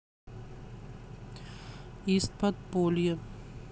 east подполье